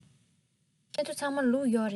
ཁྱེད ཚོ ཚང མར ལུག ཡོད རེད